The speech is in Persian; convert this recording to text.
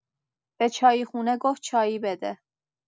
به چای‌خونه گفت چای بده.